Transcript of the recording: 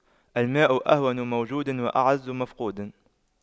الماء أهون موجود وأعز مفقود